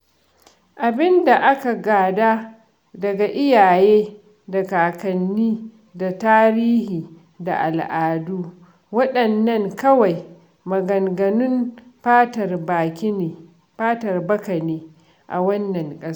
Abin da aka gada daga iyaye da kakanni da tarihi da al'adu, waɗannan kawai maganganun fatar baka ne a wannan ƙasa!